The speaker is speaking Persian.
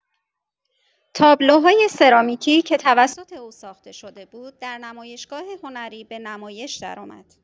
تابلوهای سرامیکی که توسط او ساخته شده بود، در نمایشگاه هنری به نمایش درآمد.